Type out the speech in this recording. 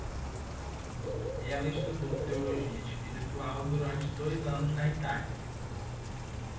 ela estudou teologia espiritual durante dois anos na itália